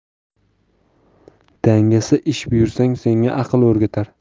dangasaga ish buyursang senga aql o'rgatar